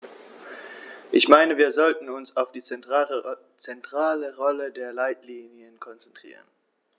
Ich meine, wir sollten uns auf die zentrale Rolle der Leitlinien konzentrieren.